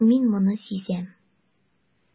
Мин моны сизәм.